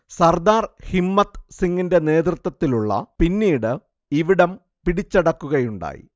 സർദാർ ഹിമ്മത്ത് സിങ്ങിന്റെ നേതൃത്വത്തിലുള്ള പിന്നീട് ഇവിടം പിടിച്ചടക്കുകയുണ്ടായി